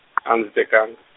a ndzi tekanga.